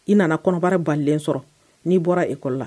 I nana kɔnɔbara balen sɔrɔ n'i bɔra e kɔrɔ la